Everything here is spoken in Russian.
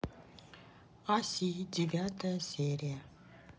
аси девятая серия